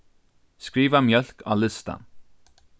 skriva mjólk á listan